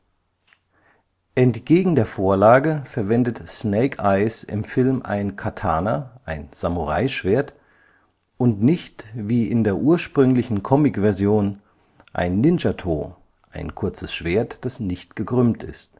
Entgegen der Vorlage verwendet Snake Eyes im Film ein Katana (Samuraischwert) und nicht, wie in der ursprünglichen Comic-Version, ein Ninjatō (ein kurzes Schwert, das nicht gekrümmt ist